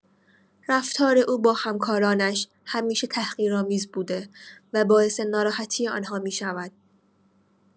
رفتار او با همکارانش همیشه تحقیرآمیز بوده و باعث ناراحتی آن‌ها می‌شود.